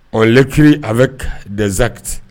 Ɔ kiri a bɛ dɛsɛzkiti